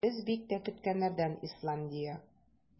Без бик тә көткәннәрдән - Исландия.